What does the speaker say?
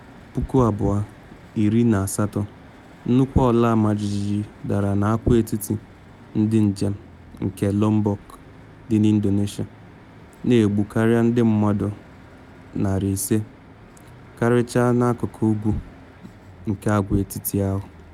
2018: Nnukwu ọla ọmajiji dara n’agwaetiti ndị njem nke Lombok dị na Indonesia, na egbu karịa ndị mmadụ 500, karịchara n’akụkụ ugwu nke agwaetiti ahụ.